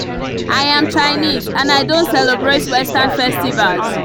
2. I am Chinese and I don’t celebrate Western festivals.